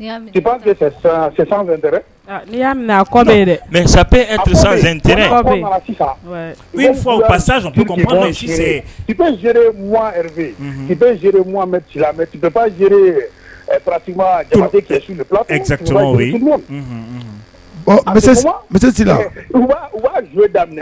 Zti